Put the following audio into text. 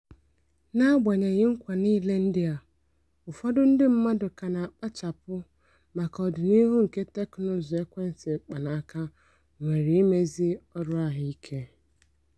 N'agbanyeghị nkwa niile ndị a, ụfọdụ ndị mmadụ ka na-akpachapụ maka ọdịnihu nke teknụzụ ekwentị mkpanaka nwere imezi ọrụ ahụike.